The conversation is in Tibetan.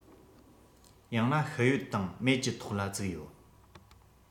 ཡང ན ཤི ཡོད དང མེད ཀྱི ཐོག ལ བཙུགས ཡོད